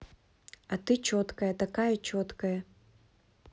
а ты четкая такая четкая